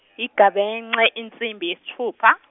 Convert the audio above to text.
Igabence, insimbi yesitfupha.